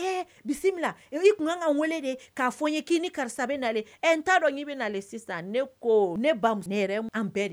Bisimila i kun ka wele de'a fɔ n ye k'i ni karisa bɛ na n t'a dɔn'i bɛ na sisan ne ne yɛrɛ bɛɛ de